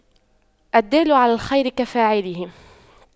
الدال على الخير كفاعله